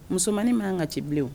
Musomanin man ka ci bilen o